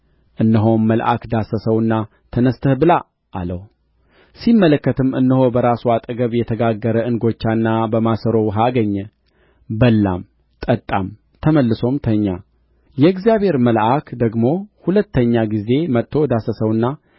እነሆም መልአክ ዳሰሰውና ተነሥተህ ብላ አለው ሲመለከትም እነሆ በራሱ አጠገብ የተጋገረ እንጎቻና በማሰሮ ውኃ አገኘ በላም ጠጣም ተመልሶም ተኛ የእግዚአብሔር መልአክ ደግሞ ሁለተኛ ጊዜ መጥቶ ዳሰሰውና